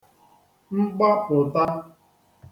mgbapụ̀ta